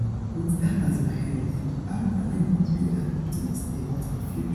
With that as my heritage, how can I not be an optimist about our future?"